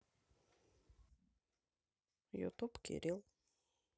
ютуб кирилл